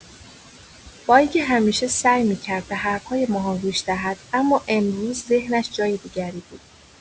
با اینکه همیشه سعی می‌کرد به حرف‌های ماهان گوش دهد، اما امروز ذهنش جای دیگری بود.